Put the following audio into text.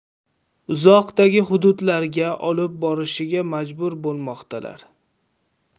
uzoqdagi hududlarga olib borishiga majbur bo'lmoqda